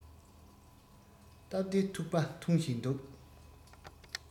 སྟབས བདེའི ཐུག པ འཐུང བཞིན འདུག